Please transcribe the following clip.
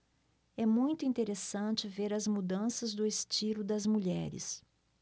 é muito interessante ver as mudanças do estilo das mulheres